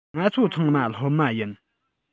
ང ཚོ ཚང མ སློབ མ ཡིན